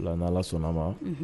Ala sɔnna ma